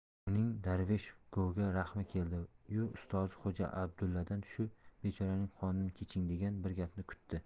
uning darvesh govga rahmi keldi yu ustozi xo'ja abdulladan shu bechoraning qonidan keching degan bir gapni kutdi